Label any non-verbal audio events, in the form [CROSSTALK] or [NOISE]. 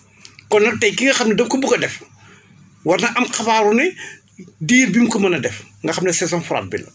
kon nag tey ki nga xam ne da nga ko bëgg a def [BREATH] war naa am xabaaru ne [BREATH] diir bi mu ko mën a def nga xam ne saison foraat bi la